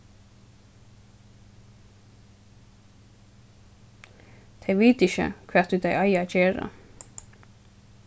tey vita ikki hvat ið tey eiga at gera